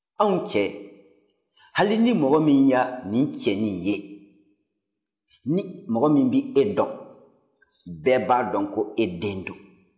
anw cɛ hali ni mɔgɔ min ye nin cɛnin ye mɔgɔ min bɛ e dɔn bɛɛ b'a dɔn ko e den don